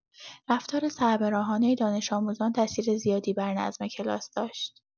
رفتار سربراهانه دانش‌آموزان تاثیر زیادی بر نظم کلاس داشت.